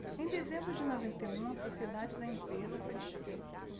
em dezembro de noventa e um a sociedade da empresa foi desfeita